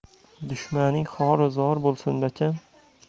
dushmaning xoru zor bo'lsun bacham